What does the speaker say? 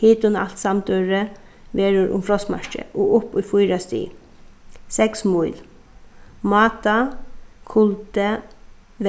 hitin alt samdøgrið verður um frostmarkið og upp í fýra stig seks míl máta kuldi